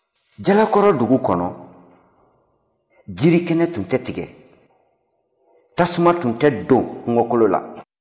jalakɔrɔ dugu kɔnɔ jiri kɛnɛ tun tɛ tigɛ tasuma tun tɛ don kungokolon la